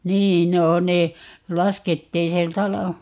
niin no ne laskettiin sieltä -